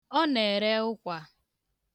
Ọ na-ere ụkwa.